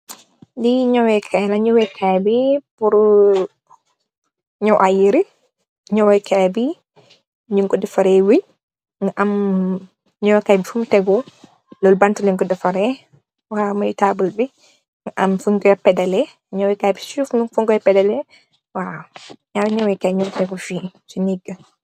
Li nawex kai la nawex kai bi pul naww ay yereh nawex kai bi nyun ko defare weng mu am nawex fom fegu njom banta len ko defarex moi tabul bi am fun kai pedalle nawex kai bi si soo fung koi pedalle waw naari nawex kai mo tegu fi si neeg bi.